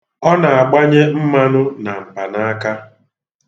Ọ na-agbanye mmanụ na mpanaaka.